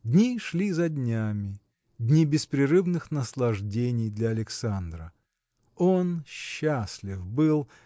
Дни шли за днями, дни беспрерывных наслаждений для Александра. Он счастлив был